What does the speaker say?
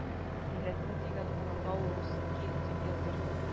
Милләте дигән урынга ул русский дип яздыртты